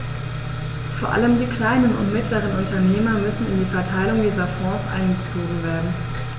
Vor allem die kleinen und mittleren Unternehmer müssen in die Verteilung dieser Fonds einbezogen werden.